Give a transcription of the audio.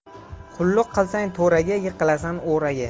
qulluq qilsang to'raga yiqilasan o'raga